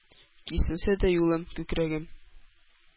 Киселсә дә юлым; күкрәгем